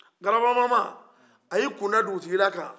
garaba mama a y'i kuna dugutigi la kan